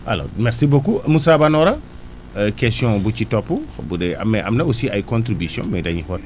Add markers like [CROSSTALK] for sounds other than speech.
alors merci beaucoup Moussa Banora [HESITATION] question bu ci topp bu dee mais am na aussi ay contributions mais da ñuy xool